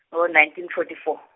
ngo- nineteen fourty four.